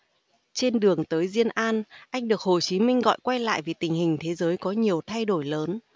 trên đường tới diên an anh được hồ chí minh gọi quay lại vì tình hình thế giới có nhiều thay đổi lớn